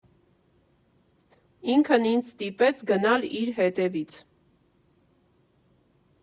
Ինքն ինձ ստիպեց գնալ իր հետևից։